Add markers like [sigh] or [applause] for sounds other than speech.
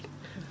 [hesitation]